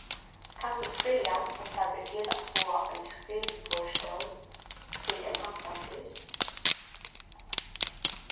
kanst tú spyrja um tað ber til at fáa ein skriviborðsstól fyri ein hampiligan prís